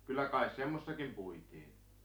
Kyllä kai semmoisessakin puitiin